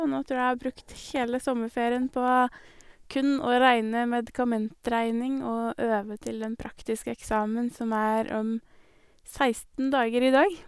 Og nå trur jeg jeg har brukt hele sommerferien på kun å regne medikamentregning og øve til den praktiske eksamen, som er om seksten dager i dag.